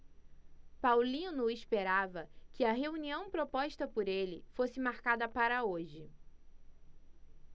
paulino esperava que a reunião proposta por ele fosse marcada para hoje